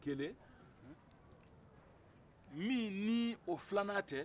kelen min ni o filanan tɛ